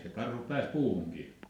eikö se karhu päässyt puuhunkin